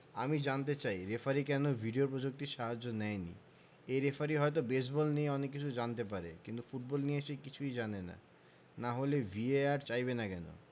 আমি জানতে চাই রেফারি কেন ভিডিও প্রযুক্তির সাহায্য নেয়নি এই রেফারি হয়তো বেসবল নিয়ে অনেক কিছু জানতে পারে কিন্তু ফুটবল নিয়ে সে কিছুই জানে না না হলে ভিএআর চাইবে না কেন